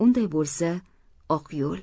unday bo'lsa oq yo'l